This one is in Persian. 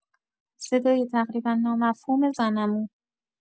صدای تقریبا نامفهوم زن عمو